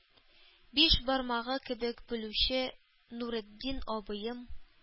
Биш бармагы кебек белүче нуретдин абыем